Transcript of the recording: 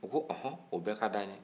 u awɔ o bɛɛ ka di an ye